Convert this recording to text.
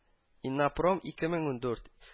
“иннопром- ике мең ундурт”